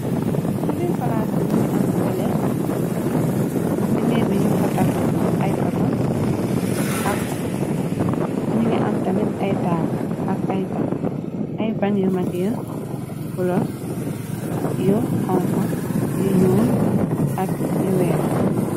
Ci biir palaasbi mugi am teleh si miir bi ñyung fataf ay photo ak ñyngi am tamit ay taable ak ay bang ay bang yu mag yu blauh yu khonkho yu ñuul ak yu weex.